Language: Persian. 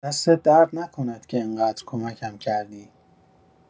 دستت درد نکند که انقدر کمکم کردی.